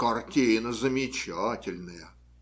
- Картина замечательная!